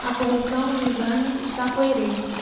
a correção do exame está coerente